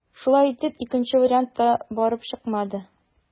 Шулай итеп, икенче вариант та барып чыкмады.